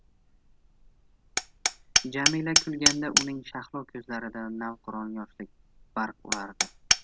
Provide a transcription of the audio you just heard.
jamila kulganda uning shahlo ko'zlarida navqiron yoshlik barq urardi